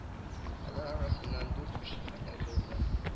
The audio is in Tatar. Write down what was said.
Алар арасыннан дүрт кеше һәлак булды